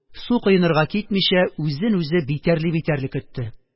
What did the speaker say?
Су коенырга китмичә, үзен үзе битәрли-битәрли көтте